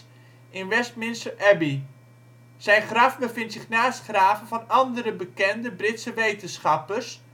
in Westminster Abbey. Zijn graf bevindt zich naast graven van andere bekende Britse wetenschappers